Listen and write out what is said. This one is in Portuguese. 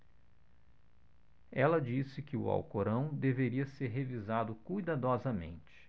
ela disse que o alcorão deveria ser revisado cuidadosamente